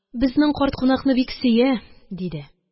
Безнең карт кунакны бик сөя, – диде.